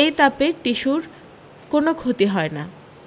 এই তাপে টিস্যুর কোনও ক্ষতি হয় না